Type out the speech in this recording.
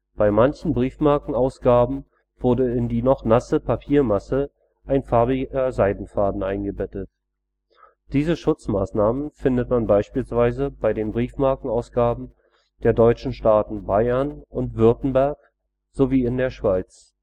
Bei manchen Briefmarkenausgaben wurde in die noch nasse Papiermasse ein farbiger Seidenfaden eingebettet. Diese Schutzmaßnahmen findet man beispielsweise bei den Briefmarkenausgaben der deutschen Staaten Bayern und Württemberg sowie in der Schweiz